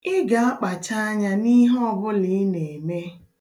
Ị ga-akpacha anya n'ihe ọbụla ị na-eme.